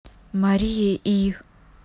мария и